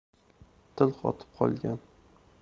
til qotib qolgan